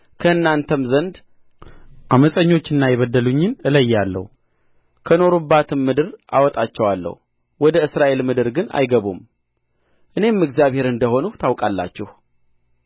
ከእናንተም ዘንድ ዓመፀኞችንና የበደሉኝን እለያለሁ ከኖሩባትም ምድር አወጣቸዋለሁ ወደ እስራኤል ምድር ግን አይገቡም እኔም እግዚአብሔር እንደ ሆንሁ ታውቃላችሁ